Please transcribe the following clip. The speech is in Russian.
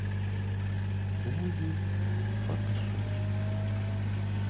пузи в фотошопе